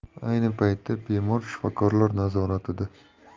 ayni paytda bemor shifokorlar nazoratida